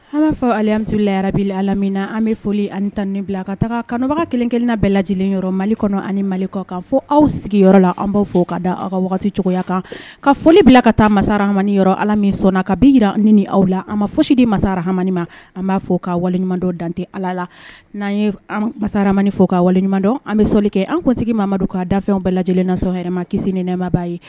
An b'a fɔ midulila yɛrɛbi ala min na an bɛ foli ani taen bila ka taga kanbaga kelenkelenna bɛɛ lajɛlen yɔrɔ mali kɔnɔ ani mali kɔ kan fɔ aw sigiyɔrɔyɔrɔ la an bɛ fɔ ka da aw ka waati cogoya kan ka foli bila ka taa masa hamani yɔrɔ ala min sɔnna ka bin jira ni ni aw la a ma foyi sidi masara hamani ma an b'a fɔ k ka waleɲumandon dante ala la n'an ye an masamani fo ka waleɲumandɔn an bɛ soli kɛ an tunsigi mamadu ka dafɛnw bɛɛ lajɛlen nasɔma kisi ni nɛmabaa ye